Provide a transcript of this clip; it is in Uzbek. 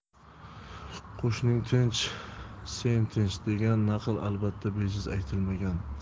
qo'shning tinch sen tinch degan naql albatta bejiz aytilmagan